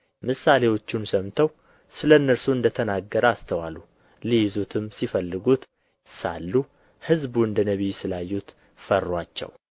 ምሳሌዎቹን ሰምተው ስለ እነርሱ እንደ ተናገረ አስተዋሉ ሊይዙትም ሲፈልጉት ሳሉ ሕዝቡ እንደ ነቢይ ስላዩት ፈሩአቸው